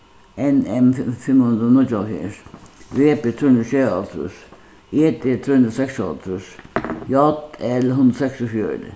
n m fimm hundrað og níggjuoghálvfjerðs v b trý hundrað og sjeyoghálvtrýss e d trý hundrað og seksoghálvtrýss j l hundrað og seksogfjøruti